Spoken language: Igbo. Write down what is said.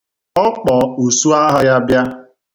Ọ kpọ usuagha ya bịa.